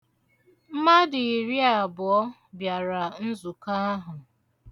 Mmadụ iriabụọ bịara nzụkọ ahụ.